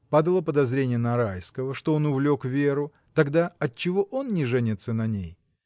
Падало подозрение на Райского, что он увлек Веру: тогда — отчего он не женится на ней?